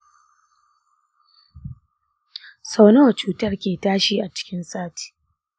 sau nawa cutar ke tashi a cikin sati?